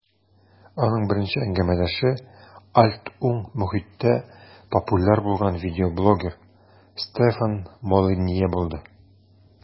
Аның беренче әңгәмәдәше "альт-уң" мохиттә популяр булган видеоблогер Стефан Молинье булды.